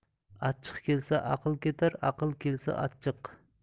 achchiq kelsa aql ketar aql kelsa achchiq